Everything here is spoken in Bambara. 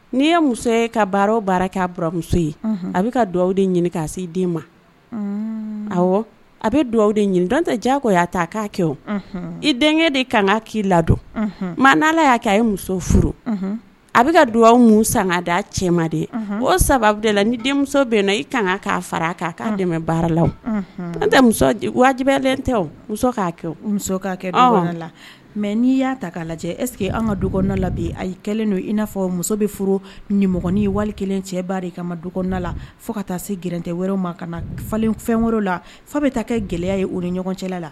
N'i ye muso ye ka baara baara' baramuso ye a bɛ ka du de ɲini k'a se den ma a bɛ dugawu de ɲini dɔn tɛ jakɔ' ta k'a kɛ o i denkɛ de ka kan ka k'i ladɔn ma n' ala y'a'a ye muso furu a bɛ ka duwa san ka da cɛ ma de o saba de la ni denmuso bɛ na i kan'a fara'a'a dɛmɛ baaralaw an tɛ wajibi tɛ'a kɛ kɛ la mɛ n'i y'a ta'a lajɛ eseke an ka du labɛn a ye kɛlen don i n'a fɔ muso bɛ furu nimɔgɔin wali kelen cɛ baara i ka ma duda la fo ka taa se gtɛ wɛrɛ ma ka fɛn wɛrɛ la fa bɛ taa kɛ gɛlɛya ye o ni ɲɔgɔn cɛlala la